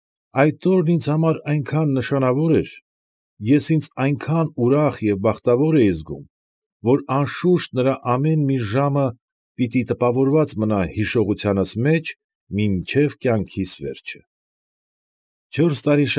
Այդ օրն ինձ համար այնքան նշանավոր էր, ես ինձ այնքան ուրախ և բախտավոր էի զգում, որ անշուշտ նրա ամեն մի ժամը պիտի տպավորված մնա հիշողությանս մեջ մինչև կյանքիս վերջը. Չորս տարի։